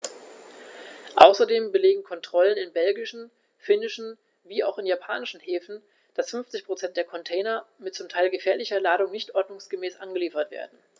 Außerdem belegen Kontrollen in belgischen, finnischen wie auch in japanischen Häfen, dass 50 % der Container mit zum Teil gefährlicher Ladung nicht ordnungsgemäß angeliefert werden.